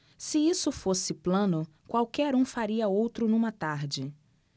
se isso fosse plano qualquer um faria outro numa tarde